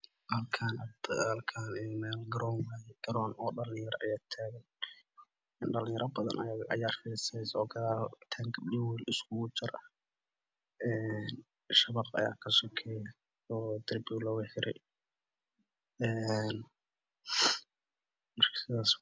Halkaan waa garoon dhalinyaro ayaa taagan oo gabdho iyo wilal iskugu jira shabaq ayaa ka sukeeyo oo darbiga luugu xiray.